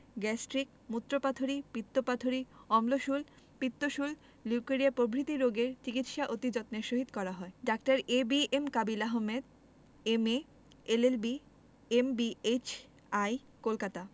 gastric মুত্রপাথড়ী পিত্তপাথড়ী অম্লশূল পিত্তশূল লিউকেরিয়া প্রভৃতি রোগের চিকিৎসা অতি যত্নের সহিত করা হয় ডাঃ ABM Kabil Ahmed M A LL B MB HI Kolkata